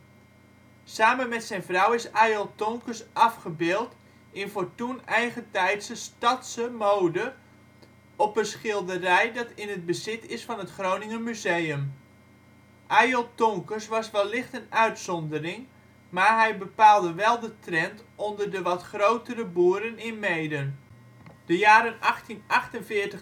Samen met zijn vrouw is Ayolt Tonkes afgebeeld in voor toen eigentijdse stadse (!) mode op een schilderij dat in het bezit is van het Groninger Museum. Ayolt Tonkes was wellicht een uitzondering, maar hij bepaalde wel de trend onder de wat grotere boeren in Meeden. De jaren 1848-1878